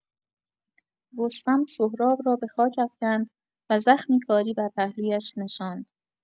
رستم، سهراب را به خاک افکند و زخمی کاری بر پهلویش نشاند.